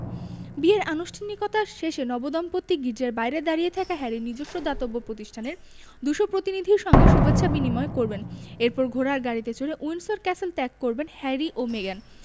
বিয়ের আনুষ্ঠানিকতা শেষে নবদম্পতি গির্জার বাইরে দাঁড়িয়ে থাকা হ্যারির নিজস্ব দাতব্য প্রতিষ্ঠানের ২০০ প্রতিনিধির সঙ্গে শুভেচ্ছা বিনিময় করবেন এরপর ঘোড়ার গাড়িতে চড়ে উইন্ডসর ক্যাসেল ত্যাগ করবেন হ্যারি ও মেগান